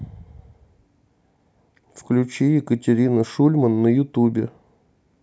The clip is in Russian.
включи екатерина шульман на ютубе